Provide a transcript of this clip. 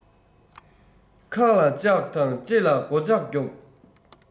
ཁ ལ ལྕགས དང ལྕེ ལ སྒོ ལྕགས རྒྱོབ